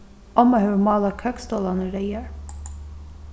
omma hevur málað køksstólarnar reyðar